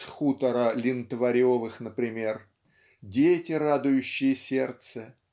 с хутора Линтваревых, например, дети, радующие сердце